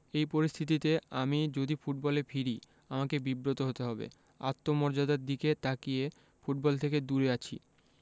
এই পরিস্থিতিতে আমি যদি ফুটবলে ফিরি আমাকে বিব্রত হতে হবে আত্মমর্যাদার দিকে তাকিয়ে ফুটবল থেকে দূরে আছি